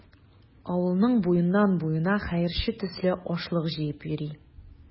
Авылның буеннан-буена хәерче төсле ашлык җыеп йөри.